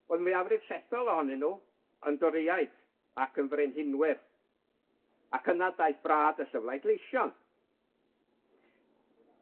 Oedd mwyafrif llethol ohonyn nw yn Doriaid ac yn Frenhinwyr, ac yna daeth Brad y Llyflau Gleision.